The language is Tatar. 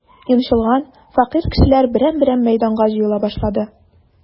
Йончылган, фәкыйрь кешеләр берәм-берәм мәйданга җыела башлады.